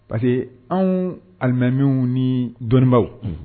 Parce que anw alimamiw ni dɔnnibaw